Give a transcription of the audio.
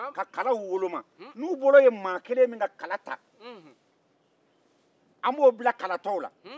ka kalaw woloma n'u bolo ye maa kelenmin ka kala ta an b'oo bila kala tɔw la